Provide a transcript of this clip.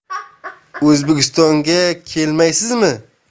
o'zbekistonga kelmaysizmi